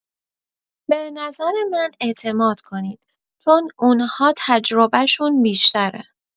به نظر من اعتماد کنید، چون اون‌ها تجربه‌شون بیشتره.